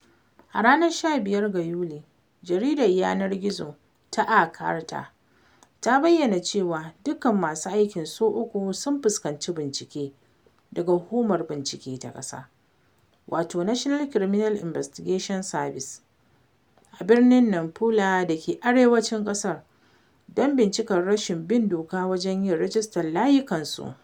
A ranar 15 ga Yuli, jaridar yanar gizo ta A Carta ta bayyana cewa dukkan masu aikin su uku sun fuskanci bincike daga Hukumar Bincike ta Ƙasa, wato National Criminal Investigation Service, a birnin Nampula dake arewacin ƙasar, don bincikar rashin bin doka wajen yin rajistar layukan waya .